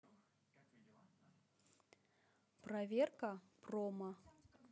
проверка промо